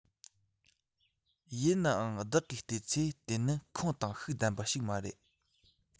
ཡིན ནའང བདག གིས བལྟས ཚེ དེ ནི ཁུངས དང ཤུགས ལྡན པ ཞིག མ རེད